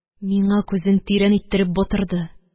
Миңа күзен тирән иттереп батырды